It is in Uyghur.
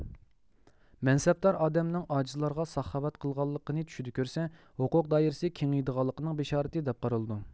مەنسەپدار ئادەمنىڭ ئاجىزلارغا ساخاۋەت قىلغانلىقىنى چۈشىدە كۆرسە ھوقوق دائىرىسى كېڭيىدىغانلىنىڭ بىشارىتى دەپ قارىلىدۇ